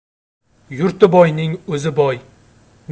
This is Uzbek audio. yurti boyning o'zi boy